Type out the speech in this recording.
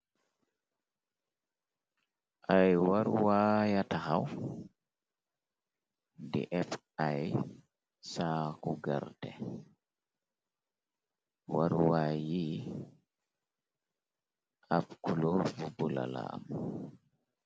Ay warwaaya taxaw, di epp ai saaku garte, warwaay yi, ab kuluf bu bulala am.